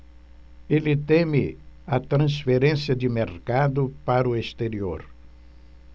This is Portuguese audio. ele teme a transferência de mercado para o exterior